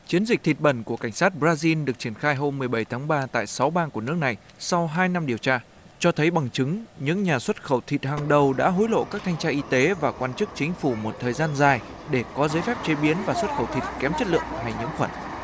chiến dịch thịt bẩn của cảnh sát bờ ra din được triển khai hôm mười bảy tháng ba tại sáu bang của nước này sau hai năm điều tra cho thấy bằng chứng những nhà xuất khẩu thịt hàng đầu đã hối lộ các thanh tra y tế và quan chức chính phủ một thời gian dài để có giấy phép chế biến và xuất khẩu thịt kém chất lượng hay nhiễm khuẩn